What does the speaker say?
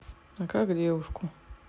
а как девушку